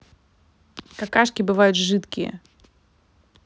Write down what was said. какашки бывают жидкие